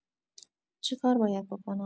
چیکار باید بکنم؟